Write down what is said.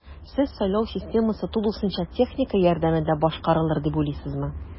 Сез сайлау системасы тулысынча техника ярдәмендә башкарарылыр дип уйлыйсызмы?